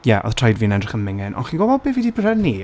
Ie, oedd traed fi'n edrych yn mingin', ond chi'n gwybod beth fi 'di prynu?